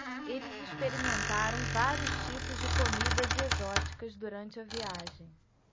eles experimentaram vários tipos de comidas exóticas durante a viagem